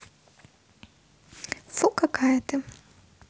фу какая ты